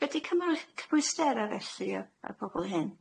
Be di cyma- cymwystere felly o- o'r pobol hyn?